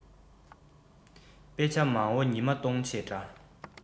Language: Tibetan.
དཔེ ཆ མང བོ ཉི མ གཏོང བྱེད འདྲ